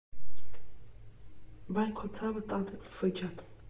Վայ քո ցավը տանեմ, Ֆը ջան։